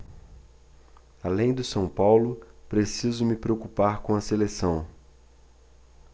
além do são paulo preciso me preocupar com a seleção